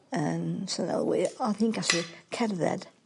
yn syddylwi o'dd hi'n gallu cerdded